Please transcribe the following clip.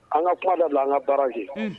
An ka kuma dabila, an ka baara kɛ !